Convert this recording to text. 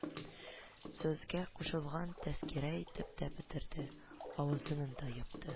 Сүзгә кушылган Тәскирә әйтеп тә бетерде, авызын да япты